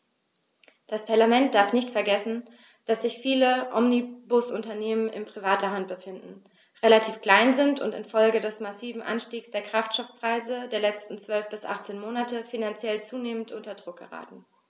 Dieses Parlament darf nicht vergessen, dass sich viele Omnibusunternehmen in privater Hand befinden, relativ klein sind und in Folge des massiven Anstiegs der Kraftstoffpreise der letzten 12 bis 18 Monate finanziell zunehmend unter Druck geraten.